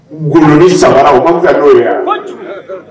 Gin saba u ka'o ye